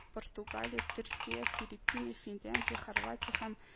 Португалия, Төркия, Филиппины, Финляндия, Хорватия һәм